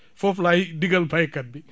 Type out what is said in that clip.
foofu laay digal béykat bi